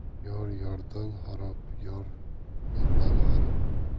yor yordan xarob yor mendan xarob